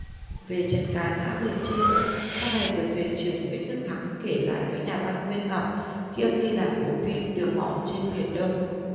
về trận càn ác liệt trên sau này được thuyền trưởng nguyễn đức thắng kể lại với nhà văn nguyên ngọc khi ông đi làm bộ phim đường mòn trên biển đông